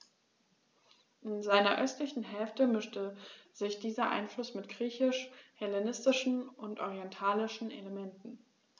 In seiner östlichen Hälfte mischte sich dieser Einfluss mit griechisch-hellenistischen und orientalischen Elementen.